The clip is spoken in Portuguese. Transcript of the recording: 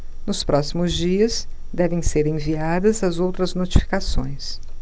nos próximos dias devem ser enviadas as outras notificações